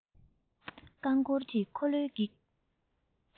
རྐང འཁོར གྱི འཁོར ལོའི འགྱིག